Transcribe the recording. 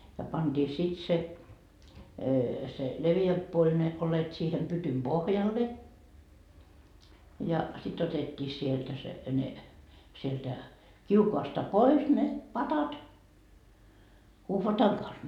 ja pantiin sitten se se leveämpi puoli ne oljet siihen pytyn pohjalle ja sitten otettiin sieltä se ne sieltä kiukaasta pois ne padat uhvatan kanssa